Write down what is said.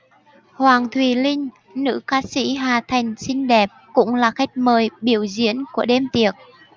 hoàng thùy linh nữ ca sĩ hà thành xinh đẹp cũng là khách mời biểu diễn của đêm tiệc